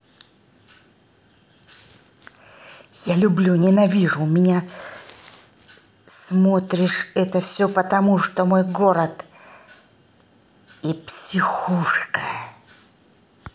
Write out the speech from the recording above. я люблю ненавижу у меня смотришь это все потому что мой город и психушка